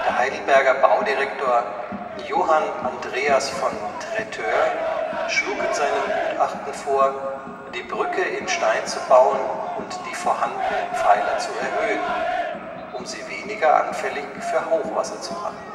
Heidelberger Baudirektor Johann Andreas von Traitteur schlug in seinem Gutachten vor, die Brücke in Stein zu bauen und die vorhandenen Pfeiler zu erhöhen, um sie weniger anfällig für Hochwasser zu machen